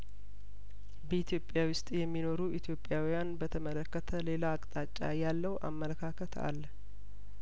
በኢትዮጵያ ውስጥ የሚኖሩ ኢትዮጵያውያን በተመለከተ ሌላ አቅጣጫ ያለው አመለካከት አለ